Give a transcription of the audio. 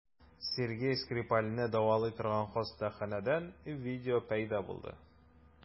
Сергей Скрипальне дәвалый торган хастаханәдән видео пәйда булды.